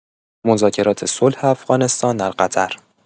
مذاکرات صلح افغانستان در قطر